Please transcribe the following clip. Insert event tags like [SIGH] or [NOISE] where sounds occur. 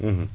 [HESITATION] [HESITATION]